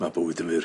Ma' bywyd yn fyr.